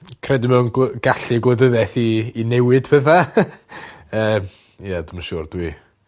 Credu mewn gwe- gallu gwleidyddiaeth i i newid petha. Yy. Ie dwi'm yn siŵr dwi.